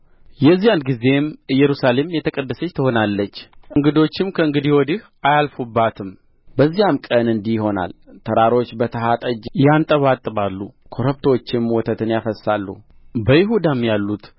የዚያን ጊዜም ኢየሩሳሌም የተቀደሰች ትሆናለች እንግዶችም ከእንግዲህ ወዲህ አያልፉባትም በዚያም ቀን እንዲህ ይሆናል ተራሮች በተሃ ጠጅ ያንጠባጥባሉ ኮረብቶችም ወተትን ያፈስሳሉ በይሁዳም ያሉት